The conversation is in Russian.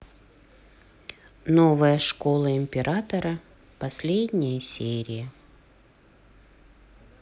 новая школа императора последняя серия